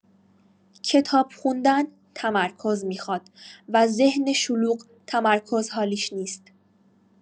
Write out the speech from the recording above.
کتاب خوندن تمرکز می‌خواد، و ذهن شلوغ تمرکز حالیش نیست.